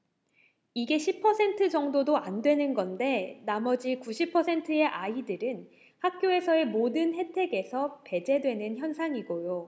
이게 십 퍼센트 정도도 안 되는 건데 나머지 구십 퍼센트의 아이들은 학교에서의 모든 혜택에서 배제되는 현상이고요